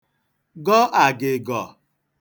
gọ àgị̀gọ̀